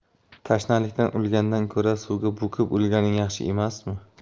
tashnalikdan o'lgandan ko'ra suvga bo'kib o'lganing yaxshi emasmi